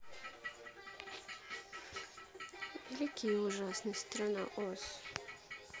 великий и ужасный страна oz